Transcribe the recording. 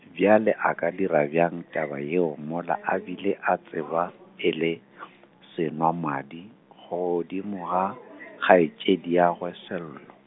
bjale a ka dira bjang taba yeo mola a bile a tseba e le , senwamadi godimo ga, kgaetšediagwe Sello.